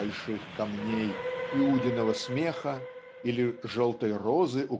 больших камней" Иудиного смехр или желтой розы